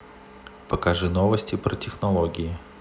покажи новости про технологии